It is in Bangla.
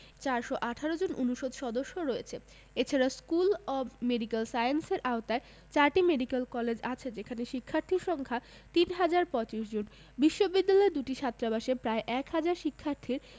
৪১৮ জন অনুষদ সদস্য রয়েছে এছাড়া স্কুল অব মেডিক্যাল সায়েন্সের আওতায় চারটি মেডিক্যাল কলেজ আছে যেখানে শিক্ষার্থীর সংখ্যা ৩ হাজার ৩৫ জন বিশ্ববিদ্যালয়ের দুটি ছাত্রাবাসে প্রায় এক হাজার শিক্ষার্থীর